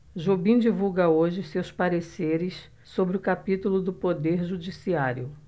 jobim divulga hoje seus pareceres sobre o capítulo do poder judiciário